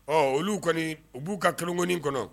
Ɔ olu kɔni u b'u ka kɛk kɔnɔ